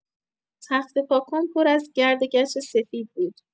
تخته پاک‌کن پر از گرد گچ سفید بود.